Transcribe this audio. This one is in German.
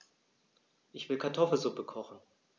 Ich will Kartoffelsuppe kochen.